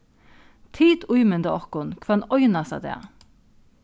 tit ímynda okkum hvønn einasta dag